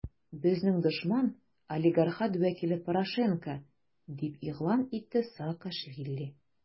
Безнең дошман - олигархат вәкиле Порошенко, - дип игълан итте Саакашвили.